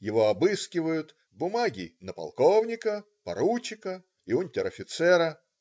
Его обыскивают: бумаги на полковника, поручика и унтер-офицера.